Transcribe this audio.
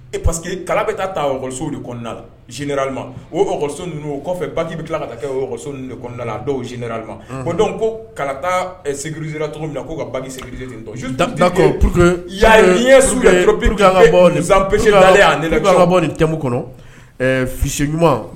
E paseke kala bɛ taakɔso de oso ninnu kɔfɛ baki bɛ tila ka kɛsola dɔwinar ma ko ko kalarizra' kaki su bɔpsi bɔ ni te kɔnɔsi ɲuman